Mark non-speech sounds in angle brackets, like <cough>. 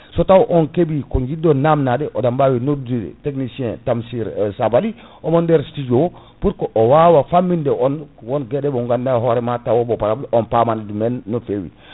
so taw on keeɓi ko jidɗon namnade oɗon mbawi noddude technicien Tamsir Sabaly <breath> omo nder studio o pour que o wawa famminde on won gueɗe mo ganduɗa hoorema taw ba * on pamani ɗumen no feewi